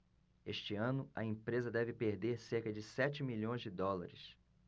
este ano a empresa deve perder cerca de sete milhões de dólares